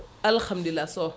alhamdulillah Sow